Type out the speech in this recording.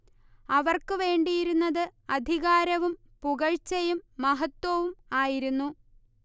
അവർക്കുവേണ്ടിയിരുന്നത് അധികാരവും പുകഴ്ച്ചയും മഹത്ത്വവും ആയിരുന്നു